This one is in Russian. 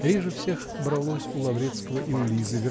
Реже всех бралось у Лаврецкого и у Лизы